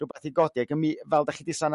rwbath i godi ag ym mi... Fel dach chi 'di son